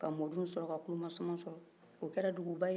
ka mɔdenw sɔrɔ ka tulu masama sɔrɔ o kɛra dugu ba ye